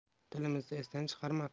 tilimizni esdan chiqarmabdi